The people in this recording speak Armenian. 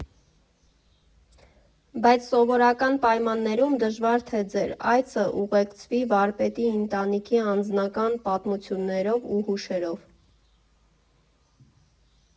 Բայց սովորական պայմաններում դժվար թե ձեր այցը ուղեկցվի վարպետի ընտանիքի անձնական պատմություններով ու հուշերով։